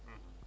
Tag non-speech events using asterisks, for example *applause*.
*hesitation* *hesitation*